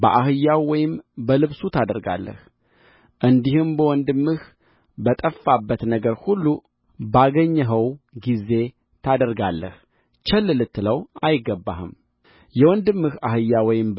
በአህያው ወይም በልብሱ ታደርጋለህ እንዲህም በወንድምህ በጠፋበት ነገር ሁሉ ባገኘኸው ጊዜ ታደርጋለህ ቸል ልትለው አይገባህም የወንድምህ አህያ ወይም